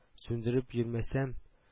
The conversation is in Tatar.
Сүндереп йөрмәсәм